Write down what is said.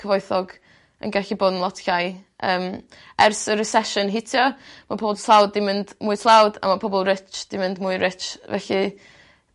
cyfoethog yn gallu bod yn lot llai. Yym. Ers y recession hitio ma' po'ol tlawd 'di mynd mwy tlawd a ma' pobol rich 'di mynd mwy rich felly